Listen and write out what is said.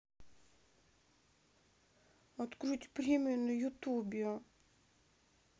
открыть премию на ютубе